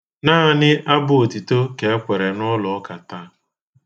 Naanị abụ otito ka e kwere n'ụlụụka taa.